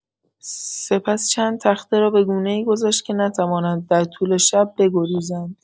سپس چند تخته را به گونه‌ای گذاشت که نتوانند در طول شب بگریزند.